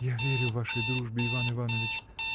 — Я верю вашей дружбе, Иван Иванович.